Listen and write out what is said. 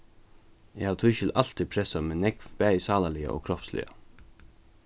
eg havi tískil altíð pressað meg nógv bæði sálarliga og kropsliga